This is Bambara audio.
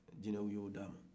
jinɛw y'o d'ama